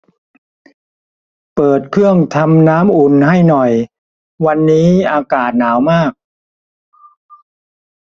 เปิดเครื่องทำน้ำอุ่นให้หน่อยวันนี้อากาศหนาวมาก